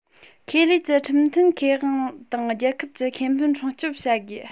ཁེ ལས ཀྱི ཁྲིམས མཐུན ཁེ དབང དང རྒྱལ ཁབ ཀྱི ཁེ ཕན སྲུང སྐྱོང བྱ དགོས